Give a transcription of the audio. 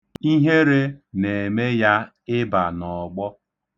Ihere na-eme ya ịba n'ọgbọ.